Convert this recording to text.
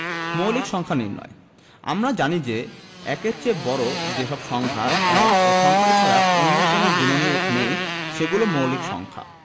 মৌলিক সংখ্যা নির্ণয় আমরা জানি যে ১বিয়োগএর চেয়ে বড় যে সব সংখ্যা ১ ও সংখ্যাটি ছাড়া অন্য কোনো গুণনীয়ক নেই সেগুলো মৌলিক সংখ্যা